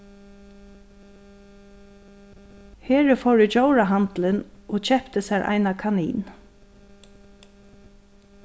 heri fór í djórahandilin og keypti sær eina kanin